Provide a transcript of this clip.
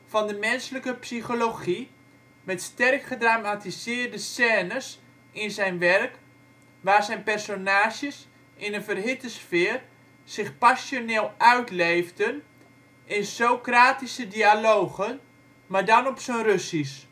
van de menselijke psychologie, met sterk gedramatiseerde scènes in zijn werk waar zijn personages, in een verhitte sfeer, zich passioneel uitleefden in Socratische dialogen, maar dan op z 'n Russisch